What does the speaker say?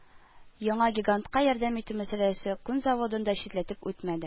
Яңа гигантка ярдәм итү мәсьәләсе күн заводын да читләтеп үтмәде